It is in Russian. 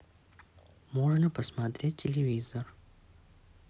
можно посмотреть телевизор